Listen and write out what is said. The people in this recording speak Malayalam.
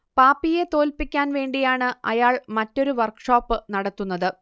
പാപ്പിയെ തോൽപ്പിക്കാൻ വേണ്ടിയാണ് അയാൾ മറ്റൊരു വർക്ക്ഷോപ്പ് നടത്തുന്നത്